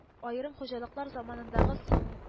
Аерым хуҗалыклар заманындагы соң